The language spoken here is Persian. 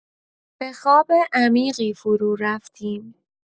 به خواب عمیقی فرورفتیم.